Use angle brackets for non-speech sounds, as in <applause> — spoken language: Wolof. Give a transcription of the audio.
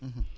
<hesitation> <hesitation>